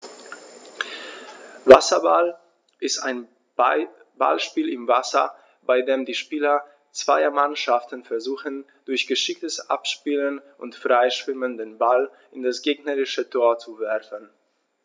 Wasserball ist ein Ballspiel im Wasser, bei dem die Spieler zweier Mannschaften versuchen, durch geschicktes Abspielen und Freischwimmen den Ball in das gegnerische Tor zu werfen.